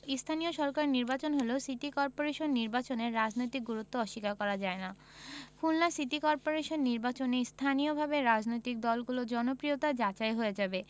স্থানীয় সরকারের নির্বাচন হলেও সিটি করপোরেশন নির্বাচনের রাজনৈতিক গুরুত্ব অস্বীকার করা যায় না খুলনা সিটি করপোরেশন নির্বাচনে স্থানীয়ভাবে রাজনৈতিক দলগুলোর জনপ্রিয়তা যাচাই হয়ে যাবে